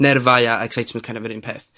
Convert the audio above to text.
nerfau a excitement kind of yr un peth.